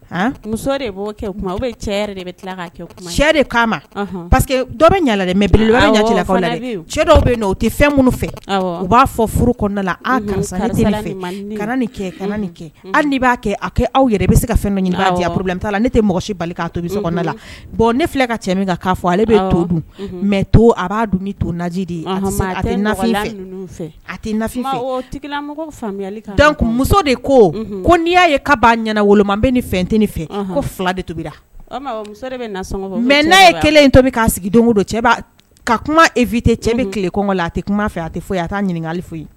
Paseke dɔw bɛ dɔw bɛ o tɛ fɛn fɛ u b'a fɔ furu la karisa nin de b'a kɛ kɛ aw yɛrɛ bɛ se ka fɛn ɲiniuru ne tɛ mɔgɔsi bali to la bɔn ne filɛ ka cɛ mina fɔ ale bɛ mɛ to a b'a toji de ye a tɛfin muso de ko ko n'i y'a ye ka ban ɲɛna wolo ma bɛ ni fɛn tɛ fɛ ko fila de tunbi mɛ n'a ye kelen in to k' sigi don don ka kuma e cɛ bɛgɔ a tɛ kuma fɛ a tɛ foyi a t'a ɲininkaka foyi ye